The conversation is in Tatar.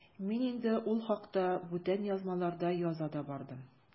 Мин инде ул хакта бүтән язмаларда яза да бардым.